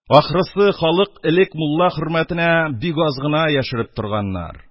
Ахрысы, халык элек мулла хөрмәтенә бик аз гына яшереп торганнар.